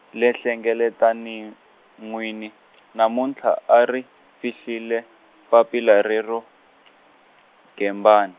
le nhlengeletani- wini , namuntlha, u ri, fihlile, papila rero , Gembani.